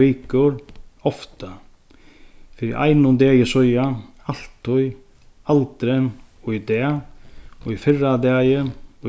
vikur ofta fyri einum degi síðan altíð aldri í dag í fyrradagin